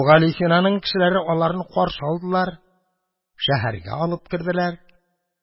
Әбүгалисинаның кешеләре аларны каршы алдылар, шәһәргә алып керделәр.